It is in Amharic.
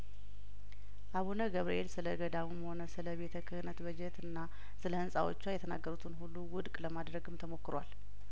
አቡነ ገብርኤል ስለገዳሙም ሆነ ስለቤተ ክህነት በጀትና ስለህንጻዎቿ የተናገሩትን ሁሉ ውድቅ ለማድረግም ተሞክሯል